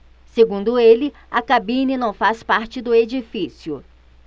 segundo ele a cabine não faz parte do edifício